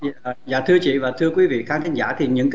dạ dạ thưa chị và thưa quý vị khán thính giả thì những